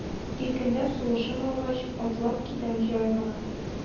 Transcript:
Иркенләп сулышым алгач, атлап китәм җай гына.